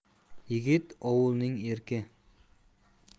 yigit ovulning erki